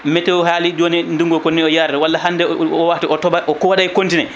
météo :fea haali joni ndungu ngu koni o yarata walla hande o waftu o tooɓat